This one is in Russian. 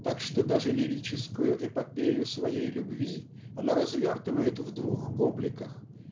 так что даже лирическую эпопею своей любви она развертывает в двух обликах